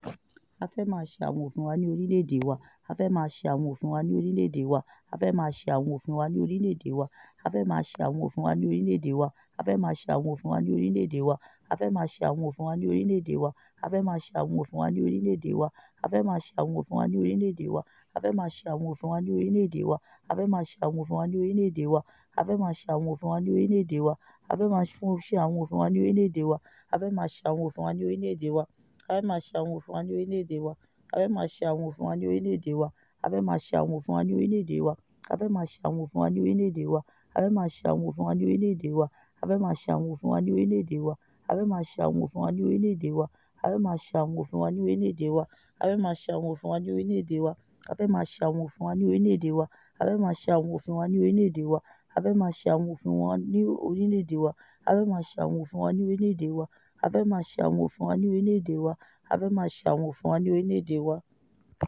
A fẹ́ máa ṣe àwọn ofin wa ní orílẹ̀-èdè wa.'